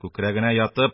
Күкрәгенә ятып